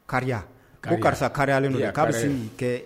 Kariya , ko karisa kariyalen don dɛ. Ka be se ka nin kɛ